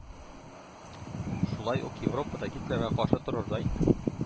Шулай ук европада гитлерга каршы торырдай